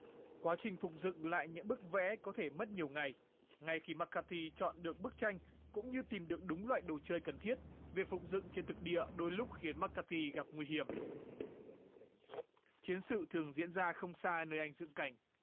quá trình phục dựng lại những bức vẽ có thể mất nhiều ngày ngay khi ma ca ty chọn được bức tranh cũng như tìm được đúng loại đồ chơi cần thiết việc phụng dựng trên thực địa đôi lúc khiến ma ca ty gặp nguy hiểm chiến sự thường diễn ra không xa nơi anh dựng cảnh